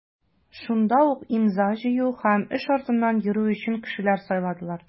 Шунда ук имза җыю һәм эш артыннан йөрү өчен кешеләр сайладылар.